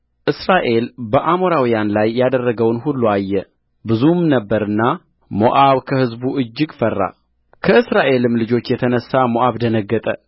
እስራኤል በአሞራውያን ላይ ያደረገውን ሁሉ አየብዙም ነበረና ሞዓብ ከሕዝቡ እጅግ ፈራ ከእስራኤልም ልጆች የተነሣ ሞዓብ ደነገጠ